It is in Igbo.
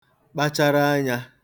kpachara anyā